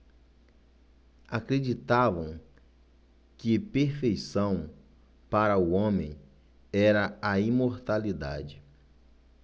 acreditavam que perfeição para o homem era a imortalidade